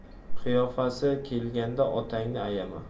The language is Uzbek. qofiyasi kelganda otangni ayama